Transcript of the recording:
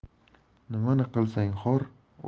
nimani qilsang xor